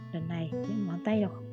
lần này thì các ngón tay